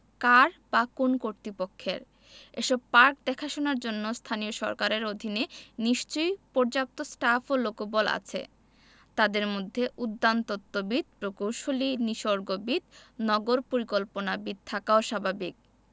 কার বা কোন্ কর্তৃপক্ষের এসব পার্ক দেখাশোনার জন্য স্থানীয় সরকারের অধীনে নিশ্চয়ই পর্যাপ্ত স্টাফ ও লোকবল আছে তাদের মধ্যে উদ্যানতত্ত্ববিদ প্রকৌশলী নিসর্গবিদ নগর পরিকল্পনাবিদ থাকাও স্বাভাবিক